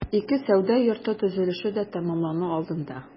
Ике сәүдә йорты төзелеше дә тәмамлану алдында.